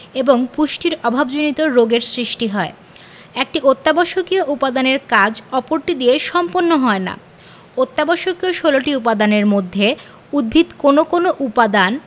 এবং পুষ্টির অভাবজনিত রোগের সৃষ্টি হয় একটি অত্যাবশ্যকীয় উপাদানের কাজ অপরটি দিয়ে সম্পন্ন হয় না অত্যাবশ্যকীয় ১৬ টি উপাদানের মধ্যে উদ্ভিদ কোনো কোনো উপাদান